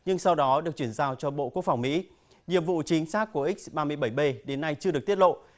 nhưng sau đó được chuyển giao cho bộ quốc phòng mỹ nhiệm vụ chính xác của ích ba mươi bảy bê đến nay chưa được tiết lộ